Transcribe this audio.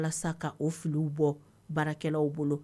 Walasa ka o filiw bɔ baarakɛlaw bolo